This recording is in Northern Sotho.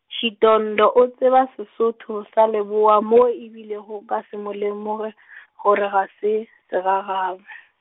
Shidondho o tseba Sesotho sa Leboa mo o bilego o ka se mo lemoge , gore ga se, segagabo.